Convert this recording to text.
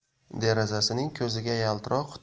derazasining ko'ziga yaltiroq xitoy